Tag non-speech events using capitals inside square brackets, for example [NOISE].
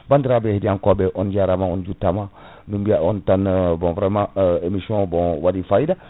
bandiraɓe heɗiyankoɓe on jaarama on juttama [BREATH] min biya on tan [HESITATION] bon vraiment [HESITATION] émission o bon waɗi fayidaa